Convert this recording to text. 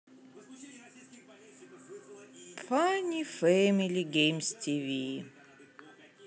фанни фэмили геймс ти ви